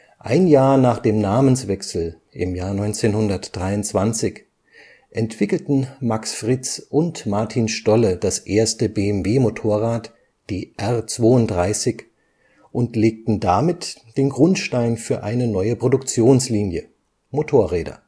Ein Jahr nach dem Namenswechsel, 1923, entwickelten Max Friz und Martin Stolle das erste BMW-Motorrad, die R 32, und legten damit den Grundstein für eine neue Produktionslinie: Motorräder